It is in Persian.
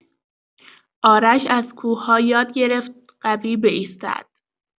آرش از کوه‌ها یاد گرفت قوی بایستد.